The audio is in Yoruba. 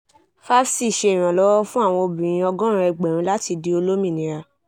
FAFCI ti ṣe ìrànlọ́wọ́ fún àwọn obìnrin 100,000 láti di olómìnira.